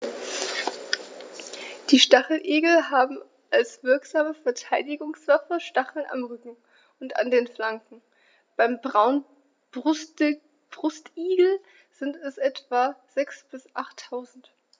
Die Stacheligel haben als wirksame Verteidigungswaffe Stacheln am Rücken und an den Flanken (beim Braunbrustigel sind es etwa sechs- bis achttausend).